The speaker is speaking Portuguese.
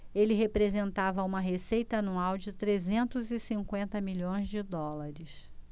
ele representava uma receita anual de trezentos e cinquenta milhões de dólares